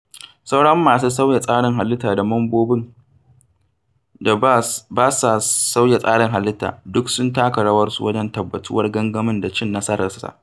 Sauran masu sauya tsarin halitta da mambobin da ba sa sauya tsarin halitta duk sun taka rawarsu wajen tabbatuwar gangamin da cin nasararsa.